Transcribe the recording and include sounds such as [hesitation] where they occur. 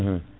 [hesitation] [hesitation]